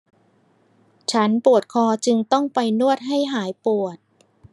ฉันปวดคอจึงต้องไปนวดให้หายปวด